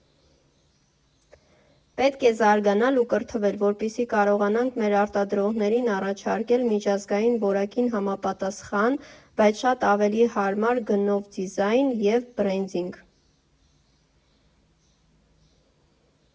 Պետք է զարգանալ ու կրթվել, որպեսզի կարողանանք մեր արտադրողներին առաջարկել միջազգային որակին համապատասխան, բայց շատ ավելի հարմար գնովդիզայն և բրենդինգ։